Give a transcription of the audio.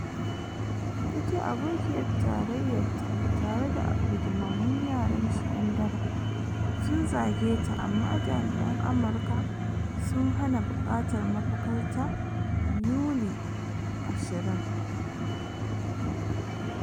Ta ce abokiyar tarayyar ta “tare da rigimammun yaran shi yan daba,” sun zage ta amma jami’an Amurka sun hana bukatar mafakar ta Yuli 20.